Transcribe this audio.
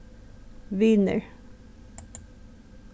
vinir